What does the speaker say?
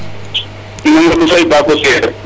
Mamadou Faye Mbako sereer